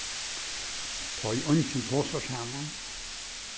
tá ið eingin tosar saman